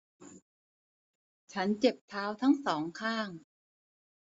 ฉันเจ็บเท้าทั้งสองข้าง